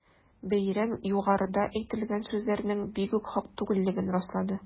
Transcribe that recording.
Бәйрәм югарыда әйтелгән сүзләрнең бигүк хак түгеллеген раслады.